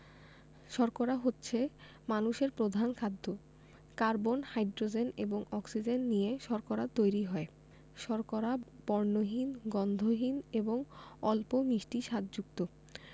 শর্করা হচ্ছে মানুষের প্রধান খাদ্য কার্বন হাইড্রোজেন এবং অক্সিজেন নিয়ে শর্করা তৈরি হয় শর্করা বর্ণহীন গন্ধহীন এবং অল্প মিষ্টি স্বাদযুক্ত